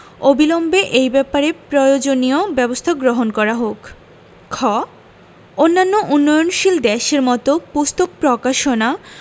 অবিলম্বে এই ব্যাপারে প্রয়োজনীয় ব্যবস্থা গ্রহণ করা হোক খ অন্যান্য উন্নয়নশীল দেশের মত পুস্তক প্রকাশনা